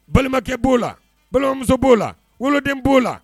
Balimakɛ b'o la balimamuso b'o la woloden b'o la